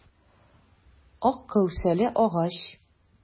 Ак кәүсәле агач.